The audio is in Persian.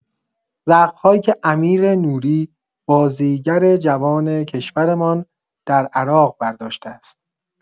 زخم‌هایی که امیر نوری بازیگر جوان کشورمان در عراق برداشته است!